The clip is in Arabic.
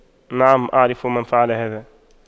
نعم اعرف من فعل هذا